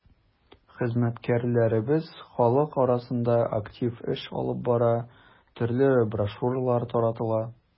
Хезмәткәрләребез халык арасында актив эш алып бара, төрле брошюралар таратыла.